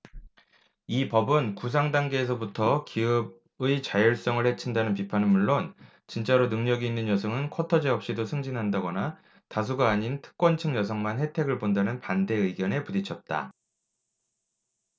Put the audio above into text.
이 법은 구상단계에서부터 기업의 자율성을 해친다는 비판은 물론 진짜로 능력이 있는 여성은 쿼터제 없이도 승진한다거나 다수가 아닌 특권층 여성만 혜택을 본다는 반대 의견에 부딪혔다